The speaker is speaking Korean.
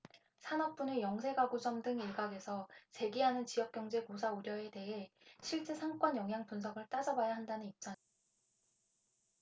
산업부는 영세 가구점 등 일각에서 제기하는 지역경제 고사 우려에 대해 실제 상권 영향분석을 따져봐야 한다는 입장이다